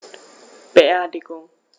Beerdigung